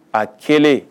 A kelen